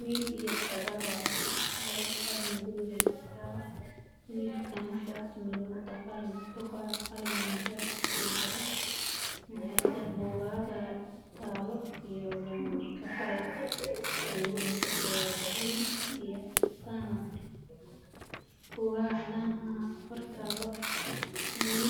Wiil iyo gabar waaye dhar madow